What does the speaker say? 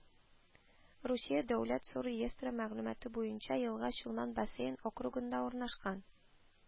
Русия дәүләт су реестры мәгълүматы буенча елга Чулман бассейн округында урнашкан